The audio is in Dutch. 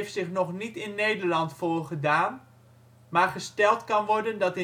zich (nog) niet in Nederland voorgedaan, maar gesteld kan worden dat